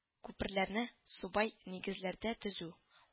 Күперләрне субай нигезләрдә